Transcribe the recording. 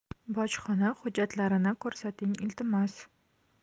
bojxona hujjatlarini ko'rsating iltimos